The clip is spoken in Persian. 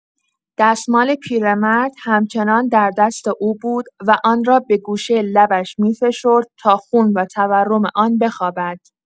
دستمال پیرمرد همچنان در دست او بود و آن را به گوشه لبش می‌فشرد تا خون و تورم آن بخوابد.